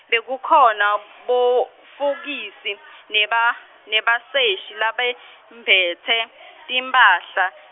bekukhona bofokisi neba- nebaseshi labembetse, timphahla.